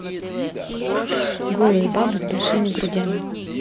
голые бабы с большими грудями